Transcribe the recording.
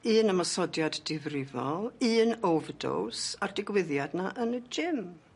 un ymosodiad difrifol un overdose a'r digwyddiad 'na yn y gym.